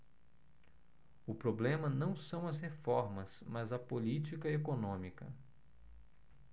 o problema não são as reformas mas a política econômica